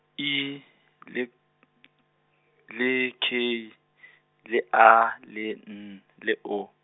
E, le , le K , le A le N le O.